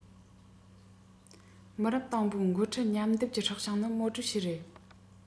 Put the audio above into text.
མི རབས དང པོའི འགོ ཁྲིད མཉམ སྡེབ ཀྱི སྲོག ཤིང ནི མའོ ཀྲུའུ ཞི རེད